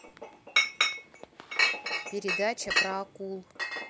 передача про акул